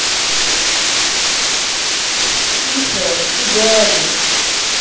тиса и даня